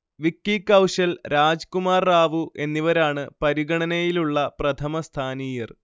വിക്കി കൗശൽ, രാജ്കുമാർ റാവു എന്നിവരാണ് പരിഗണനയിലുള്ള പ്രഥമസ്ഥാനീയർ